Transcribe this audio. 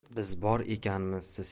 biz bor ekanmiz siz